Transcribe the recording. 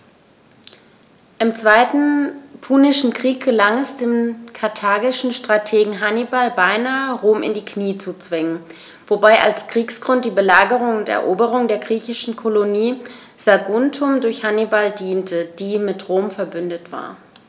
Im Zweiten Punischen Krieg gelang es dem karthagischen Strategen Hannibal beinahe, Rom in die Knie zu zwingen, wobei als Kriegsgrund die Belagerung und Eroberung der griechischen Kolonie Saguntum durch Hannibal diente, die mit Rom „verbündet“ war.